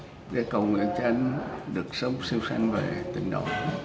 để cầu nguyện cho anh được sớm siêu sanh rồi tịnh độ